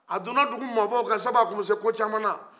a donna dugu maabaw kan sabu a tun bɛ se ko caman na